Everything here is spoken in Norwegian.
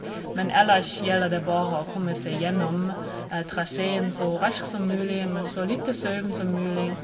Men ellers gjelder det bare å komme seg gjennom traseen så raskt som mulig med så lite søvn som mulig.